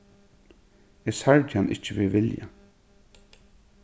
eg særdi hann ikki við vilja